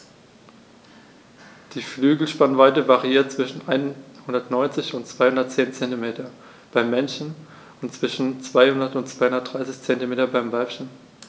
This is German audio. Die Flügelspannweite variiert zwischen 190 und 210 cm beim Männchen und zwischen 200 und 230 cm beim Weibchen.